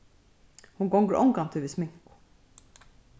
hon gongur ongantíð við sminku